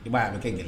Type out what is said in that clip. Ib 'a ye a bɛ kɛ kɛ